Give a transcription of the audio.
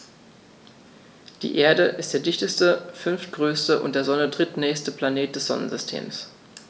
Die Erde ist der dichteste, fünftgrößte und der Sonne drittnächste Planet des Sonnensystems.